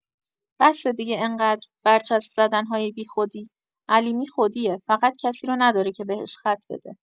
بسه دیگه انقدر برچسب زدن‌های بیخودی، علیمی خودیه، فقط کسی رو نداره که بهش خط بده